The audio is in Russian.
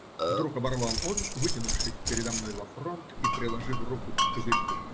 - вдруг оборвал он, вытянувшись передо мной во фронт и приложив руку к козырьку.